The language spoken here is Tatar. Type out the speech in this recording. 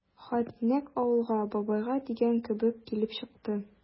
Хат нәкъ «Авылга, бабайга» дигән кебек килеп чыкты.